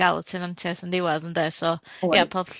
ga'l y tenantiaeth yn diwadd ynde, so ia